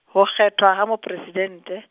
ho kgethwa ha Mopresidente.